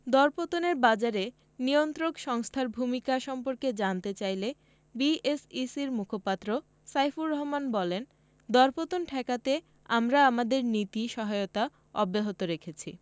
দরপতনের বাজারে নিয়ন্ত্রক সংস্থার ভূমিকা সম্পর্কে জানতে চাইলে বিএসইসির মুখপাত্র সাইফুর রহমান বলেন দরপতন ঠেকাতে আমরা আমাদের নীতি সহায়তা অব্যাহত রেখেছি